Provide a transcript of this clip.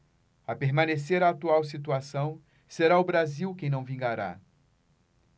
a permanecer a atual situação será o brasil que não vingará